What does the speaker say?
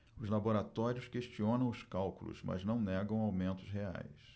os laboratórios questionam os cálculos mas não negam aumentos reais